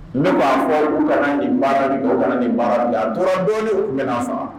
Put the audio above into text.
N bɛ b'a fɔ u kana nin baara kana nin baara tora dɔɔnin u bɛna faga